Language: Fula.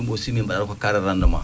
ɗum aussi min mbaɗata ko cas de rendement